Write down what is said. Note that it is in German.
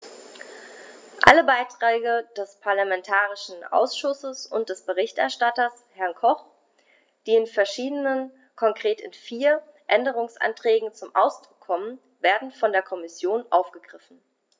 Alle Beiträge des parlamentarischen Ausschusses und des Berichterstatters, Herrn Koch, die in verschiedenen, konkret in vier, Änderungsanträgen zum Ausdruck kommen, werden von der Kommission aufgegriffen.